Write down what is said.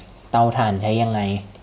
เตาถ่านใช้ยังไง